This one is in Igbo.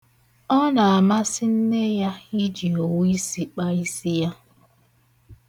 Ọ na-amasị nne ya iji owu isi kpaa isi ya.